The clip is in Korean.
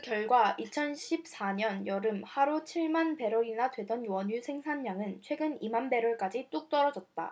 그 결과 이천 십 사 년 여름 하루 칠 만 배럴이나 되던 원유 생산량은 최근 이 만 배럴까지 뚝 떨어졌다